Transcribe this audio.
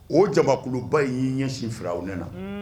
O jababa in y'i ɲɛsinfɛ o ne na